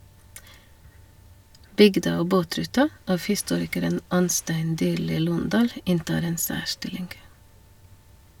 "Bygda og båtruta" av historikeren Anstein Dyrli Lohndal inntar en særstilling.